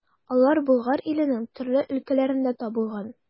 Алар Болгар иленең төрле өлкәләрендә табылган.